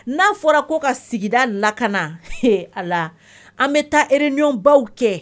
N'a fɔra ko ka sigida lakana, he Ala, an bɛ taa réunion baw kɛ